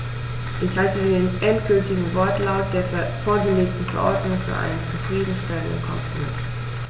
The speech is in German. Ich halte den endgültigen Wortlaut der vorgelegten Verordnung für einen zufrieden stellenden Kompromiss.